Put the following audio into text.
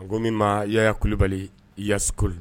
Ko min ma yala kulubali yakolo